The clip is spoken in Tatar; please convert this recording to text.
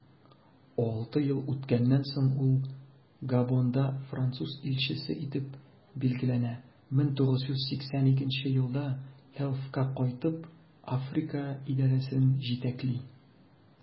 Алты ел үткәннән соң, ул Габонда француз илчесе итеп билгеләнә, 1982 елда Elf'ка кайтып, Африка идарәсен җитәкли.